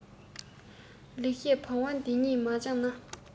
ལེགས བཤད བང བ འདི གཉིས མ སྦྱངས ན